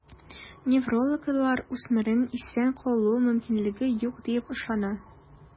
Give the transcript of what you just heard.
Неврологлар үсмернең исән калу мөмкинлеге юк диеп ышана.